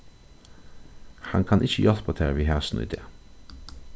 hann kann ikki hjálpa tær við hasum í dag